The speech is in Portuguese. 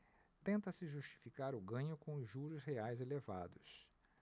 tenta-se justificar o ganho com os juros reais elevados